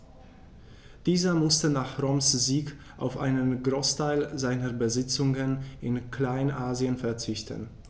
Dieser musste nach Roms Sieg auf einen Großteil seiner Besitzungen in Kleinasien verzichten.